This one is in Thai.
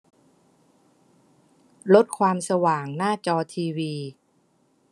ลดความสว่างหน้าจอทีวี